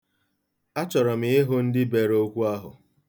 Achọrọ m ịhụ ndị bere okwu ahụ.